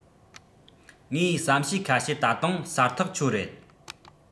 ངས བསམ ཤེས ཁ ཤས ད དུང གསལ ཐག ཆོད རེད